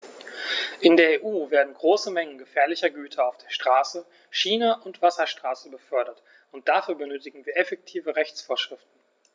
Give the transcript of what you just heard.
In der EU werden große Mengen gefährlicher Güter auf der Straße, Schiene und Wasserstraße befördert, und dafür benötigen wir effektive Rechtsvorschriften.